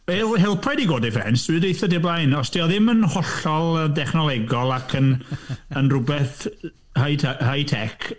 Wel, helpa i di godi ffens. Dwi 'di deud wrtha ti o'r blaen. Os 'di o ddim yn hollol yy dechnolegol ac yn yn rhywbeth high te- high-tech...